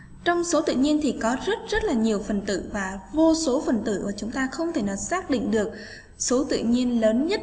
trong số tự nhiên thì có rất là nhiều phần tử và vô số phần tử và chúng ta không thể nào xác định được số tự nhiên lớn nhất